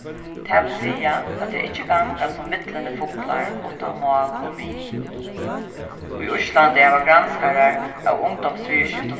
tað vil siga at tey ikki ganga sum villini fuglar uttan mál og mið í íslandi hava granskarar av ungdómsviðurskiftum